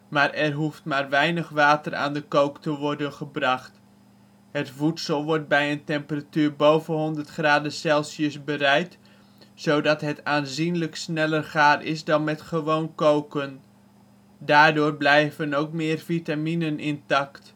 maar er hoeft maar weinig water aan de kook te worden gebracht. Het voedsel wordt bij een temperatuur boven 100°C bereid, zodat het aanzienlijk sneller gaar is dan met gewoon koken. Daardoor blijven ook meer vitaminen intact